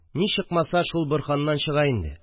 Ни чыкмаса шул Борһаннан чыга инде